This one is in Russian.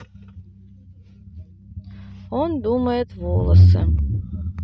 он думает волосы